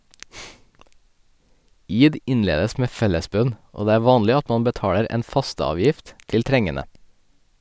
Id innledes med fellesbønn, og det er vanlig at man betaler en fasteavgift til trengende.